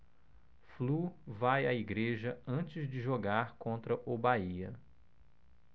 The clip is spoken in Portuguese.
flu vai à igreja antes de jogar contra o bahia